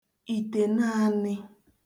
ìtènaānị̄